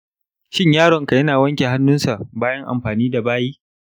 shin yaronka yana wanke hannunsa bayan amfani da bayi?